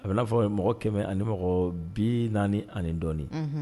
A bɛ n'a fɔ mɔgɔ 140 ani dɔɔnin